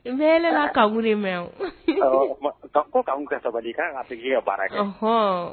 Nbla kaburu mɛn ko ka sabali ka baara kan